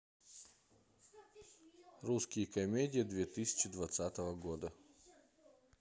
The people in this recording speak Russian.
русские комедии две тысячи двадцатого года